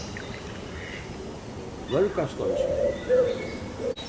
dvørgasteinsvegur